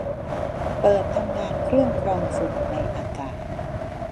เปิดทำงานเครื่องกรองฝุ่นในอากาศ